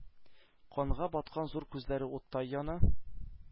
Канга баткан зур күзләре уттай яна.